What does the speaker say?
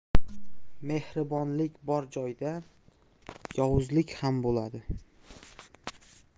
mehribonlik bor joyda yovuzlik ham bo'ladi